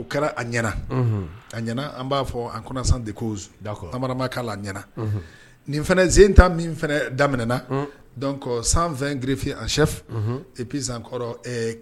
O kɛra a ɲɛna; unhun; a ɲɛna, an b'a fɔ en connaissance de cause ,d'accord Amara ma k'a la a ɲɛna; unhun; nin fana, sen in ta min daminɛ na; unhun; Donc 120 greffiers en chefs ;unhun; et puis encore ɛɛ